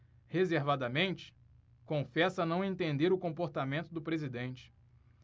reservadamente confessa não entender o comportamento do presidente